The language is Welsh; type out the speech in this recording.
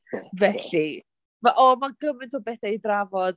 Felly... Ma- O mae gymaint o bethau i drafod.